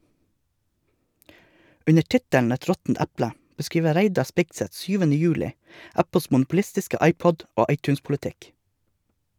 Under tittelen "Et råttent eple" beskriver Reidar Spigseth 7. juli Apples monopolistiske iPod- og iTunes-politikk.